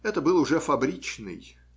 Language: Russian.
Это был уже фабричный.